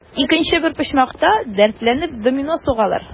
Икенче бер почмакта, дәртләнеп, домино сугалар.